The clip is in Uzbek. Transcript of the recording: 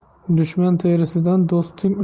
dushman terisidan do'sting